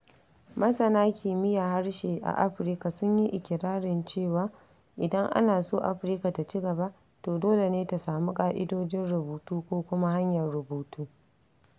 Masana kimiyyar harshe a Afirka sun yi iƙirarin cewa, idan ana so Afirka ta ci gaba, to dole ne ta samu ƙa'idojin rubutu ko kuma hanyar rubutu.